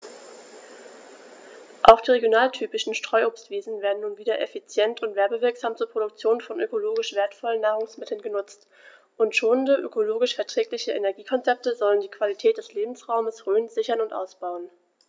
Auch die regionaltypischen Streuobstwiesen werden nun wieder effizient und werbewirksam zur Produktion von ökologisch wertvollen Nahrungsmitteln genutzt, und schonende, ökologisch verträgliche Energiekonzepte sollen die Qualität des Lebensraumes Rhön sichern und ausbauen.